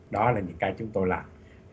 đó là những cái chúng tôi làm